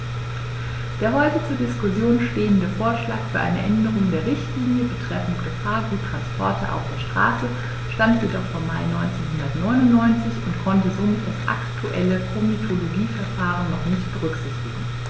Der heute zur Diskussion stehende Vorschlag für eine Änderung der Richtlinie betreffend Gefahrguttransporte auf der Straße stammt jedoch vom Mai 1999 und konnte somit das aktuelle Komitologieverfahren noch nicht berücksichtigen.